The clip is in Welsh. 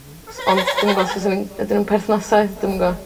S- ond dwi'm yn gwo os fyswn i'n... Ydyn nw'n perthnasau? Dwi'm yn gwo.